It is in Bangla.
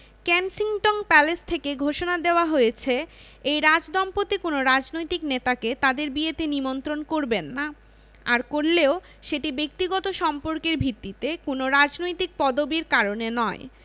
কেনসিংটন প্যালেস থেকে ঘোষণা দেওয়া হয়েছে এই রাজদম্পতি কোনো রাজনৈতিক নেতাকে তাঁদের বিয়েতে নিমন্ত্রণ করবেন না আর করলেও সেটি ব্যক্তিগত সম্পর্কের ভিত্তিতে কোনো রাজনৈতিক পদবির কারণে নয়